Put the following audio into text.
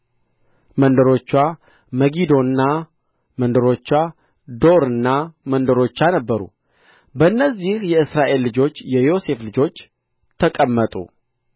መንደሮችዋ መጊዶና መንደሮችዋ ዶርና መንደሮችዋ ነበሩ በእነዚህ የእስራኤል ልጅ የዮሴፍ ልጆች ተቀመጡ